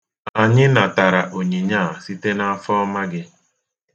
Anyị natara onyinye a site n'afọọma gị.